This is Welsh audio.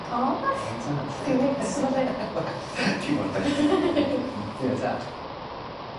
...oddach? oddan tad. sefydlu... wel. Dim mor bell a hynna ia tad.